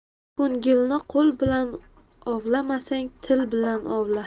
ko'ngilni qo'l bilan ovlamasang til bilan ovla